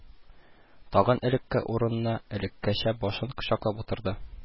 Тагын элекке урынына, элеккечә башын кочаклап утырды